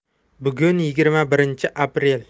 bugun yigirma birinchi aprel